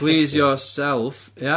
Please your self, ia.